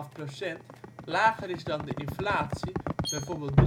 procent) lager is dan de inflatie (bijvoorbeeld